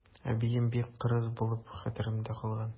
Әбием бик кырыс булып хәтеремдә калган.